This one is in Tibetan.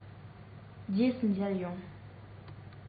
རྗེས སུ མཇལ ཡོང